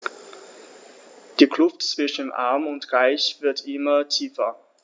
Die Kluft zwischen Arm und Reich wird immer tiefer.